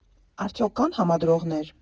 Արդյո՞ք կան համադրողներ։